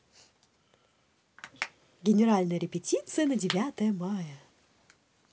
генеральная репетиция на девятое мая